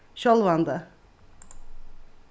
sjálvandi